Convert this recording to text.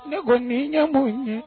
Ne ko nin i ɲɛ mun ye